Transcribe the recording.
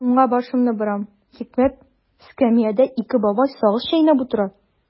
Уңга башымны борам– хикмәт: эскәмиядә ике бабай сагыз чәйнәп утыра.